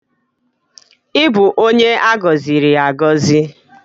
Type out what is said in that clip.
Ị bụ onye a gọziri agọzi.